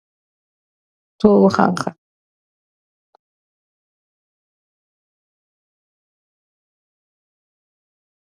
Toogu xanxa